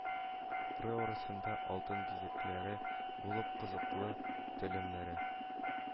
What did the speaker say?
Ры арасында алтын беләзекләр булып казылык телемнәре